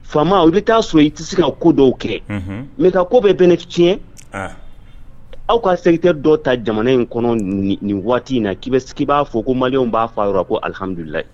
Faama u bɛ taa sɔrɔ i tɛ se la ko dɔw kɛ nga ka ko bɛɛ fɛnɛ tiɲɛ. aw ka ka secteur dɔ ta jamana in kɔnɔ nin waati in na ki ba fɔ ko Malienw fɔ a yɔrɔ la ko alihamududulila